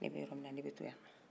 ne bɛ yɔrɔ min na ne bɛ to yan